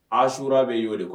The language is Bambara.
As bɛ y'o de kuwa